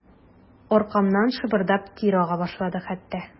Аркамнан шабырдап тир ага башлады хәтта.